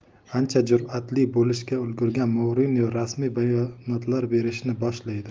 ancha jur'atli bo'lishga ulgurgan mourinyo rasmiy bayonotlar berishni boshlaydi